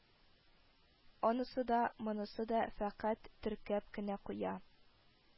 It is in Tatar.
Анысын да, монысын да фәкать теркәп кенә куя